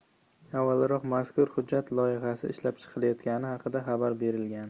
avvalroq mazkur hujjat loyihasi ishlab chiqilayotgani haqida xabar berilgandi